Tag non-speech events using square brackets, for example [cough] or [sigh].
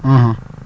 [hesitation] [hesitation]